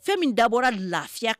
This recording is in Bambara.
Fɛn min dabɔra lafiya